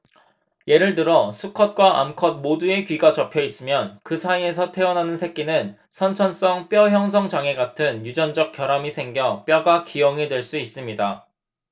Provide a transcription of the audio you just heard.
예를 들어 수컷과 암컷 모두의 귀가 접혀 있으면 그 사이에서 태어나는 새끼는 선천성 뼈 형성 장애 같은 유전적 결함이 생겨 뼈가 기형이 될 수 있습니다